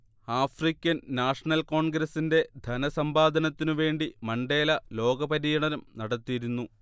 African National കോൺഗ്രസ്സിന്റെധനസമ്പാദനത്തിനു വേണ്ടി Mandela ലോകപര്യടനം നടത്തിയിരുന്നു